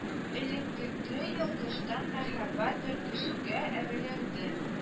Элеккеге йолкыштан мәһабәт бер кешегә әвелерде